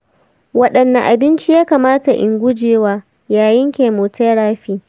wadanne abinci ya kamata in guje wa yayin chemotherapy?